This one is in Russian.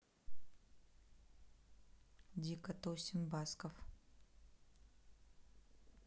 дико тусим басков